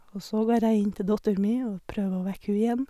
Og så går jeg inn til datter mi og prøver å vekke hu igjen.